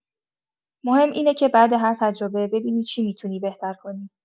مهم اینه که بعد هر تجربه، ببینی چی می‌تونی بهتر کنی؛